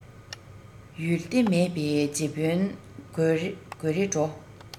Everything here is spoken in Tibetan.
ཡུལ སྡེ མེད པའི རྗེ དཔོན དགོད རེ བྲོ